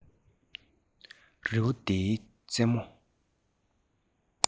རི བོ འདིའི རྩེ མོ